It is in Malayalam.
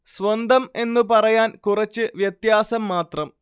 സ്വന്തം എന്നു പറയാന്‍ കുറച്ച് വ്യത്യാസം മാത്രം